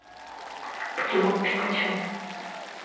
покемон пикачу